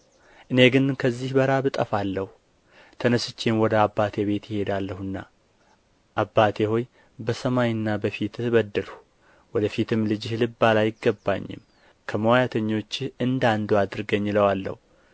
እኔ ግን ከዚህ በራብ እጠፋለሁ ተነሥቼም ወደ አባቴ እሄዳለሁና አባቴ ሆይ በሰማይና በፊትህ በደልሁ ወደ ፊትም ልጅህ ልባል አይገባኝም ከሞያተኞችህ እንደ አንዱ አድርገኝ እለዋለሁ